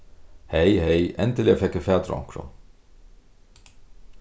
hey hey endiliga fekk eg fatur á onkrum